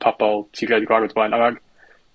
pobol ti rioed 'di gwarfod o'r blaen, a mae'n